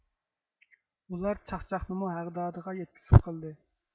ئۇلار چاقچاقنىمۇ ھەغدادىغا يەتكۈزۈپ قىلدى